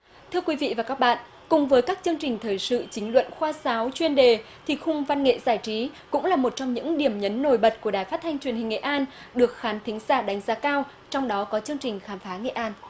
thưa quý vị và các bạn cùng với các chương trình thời sự chính luận khoa sáo chuyên đề thì khung văn nghệ giải trí cũng là một trong những điểm nhấn nổi bật của đài phát thanh truyền hình nghệ an được khán thính giả đánh giá cao trong đó có chương trình khám phá nghệ an